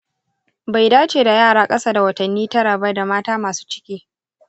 bai dace da yara kasa da watanni tara ba da mata masu ciki